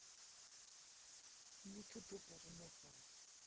не туда порнуху